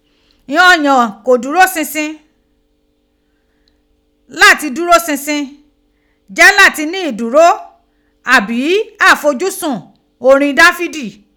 Ighan oniyan ko duro sinsin, lati duro sinsin je lati ni iduro abi afoju sun orin Dafidi